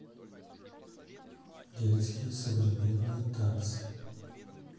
детские современные танцы